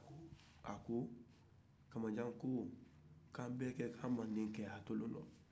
a ko kamajan ko k'an bɛɛ ka kan mande cɛyatulon na